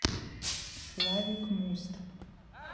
slavikmust